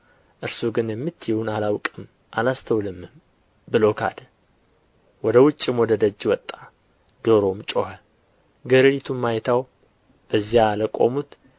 እርሱ ግን የምትዪውን አላውቅም አላስተውልምም ብሎ ካደ ወደ ውጭም ወደ ደጅ ወጣ ዶሮም ጮኸ ገረዲቱም አይታው በዚያ ለቆሙት